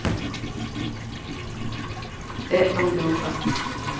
э андрюха